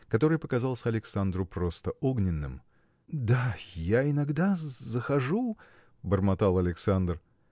который показался Александру просто огненным. – Да. я иногда. захожу. – бормотал Александр.